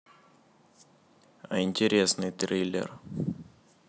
а интересный триллер